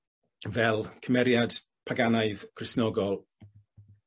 fel cymeriad Paganaidd Crisnogol.